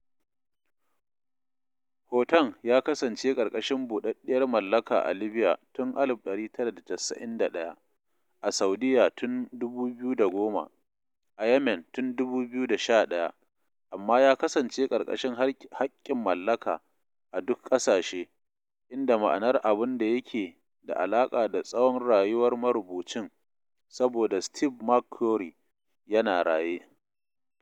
Hoton ya kasance ƙarƙashin buɗaɗɗiyar mallaka a Libya tun 1991, a Saudiya tun 2010, a Yemen tun 2011, amma ya kasance ƙarƙashin haƙƙin mallaka a duk ƙasashe, inda ma'nar abin da yake da alaƙa da tsawon rayuwar marubucin, saboda Steve McCurry yana raye.